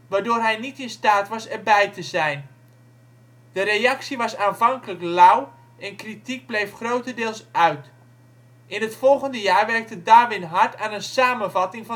waardoor hij niet in staat was erbij te zijn. De reactie was aanvankelijk lauw en kritiek bleef grotendeels uit. In het volgende jaar werkte Darwin hard aan een samenvatting